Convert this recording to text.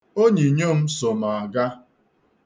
Onyinyo m so m aga.